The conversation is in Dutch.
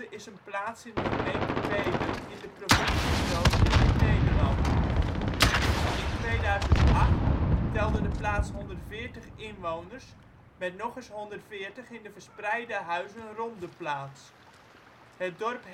is een plaats in de gemeente Bedum in de provincie Groningen in Nederland. In 2008 telde de plaats 140 inwoners met nog eens 140 in de verspreide huizen rond de plaats. Het dorp